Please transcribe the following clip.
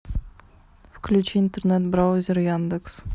включи интернет браузер яндекс